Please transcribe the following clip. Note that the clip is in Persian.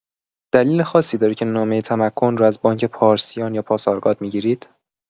دلیل خاصی داره که نامه تمکن رو از بانک پارسیان یا پاسارگاد می‌گیرید؟